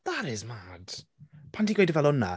That is mad. Pan ti'n gweud o fel hwnna.